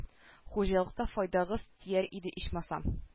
Хуҗалыкта файдагыз тияр иде ичмасам